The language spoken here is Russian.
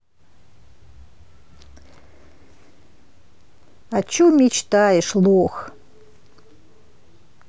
о чем мечтаешь лох